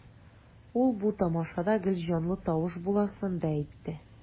Ул бу тамашада гел җанлы тавыш буласын да әйтте.